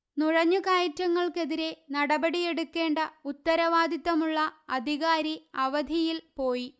നുഴഞ്ഞു കയറ്റങ്ങള്ക്കെതിരെ നടപടിയെടുക്കേണ്ട ഉത്തരവാദിത്തമുള്ള അധികാരി അവധിയില്പോയി